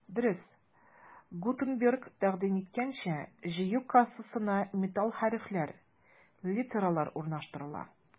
Дөрес, Гутенберг тәкъдим иткәнчә, җыю кассасына металл хәрефләр — литералар урнаштырыла.